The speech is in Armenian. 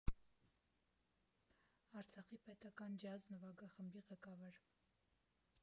Արցախի պետական ջազ նվագախմբի ղեկավար։